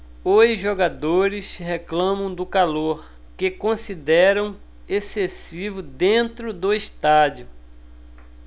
os jogadores reclamam do calor que consideram excessivo dentro do estádio